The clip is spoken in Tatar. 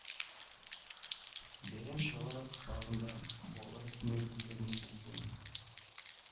Бәйрәм чаралары кысаларында балалар рәсемнәре күргәзмәсе узды